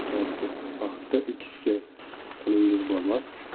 tortib paxta ekishga qo'lingiz bormas